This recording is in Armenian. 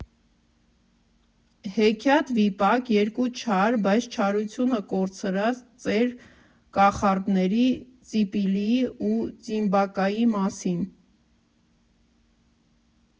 Հեքիաթ֊վիպակ երկու չար, բայց չարությունը կորցրած ծեր կախարդների՝ Ծիպիլիի ու Տիմբակայի մասին։